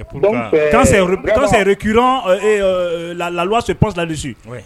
Donc que quand c'est récurrent la loi se penche dessus wɛ